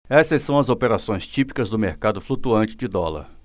essas são as operações típicas do mercado flutuante de dólar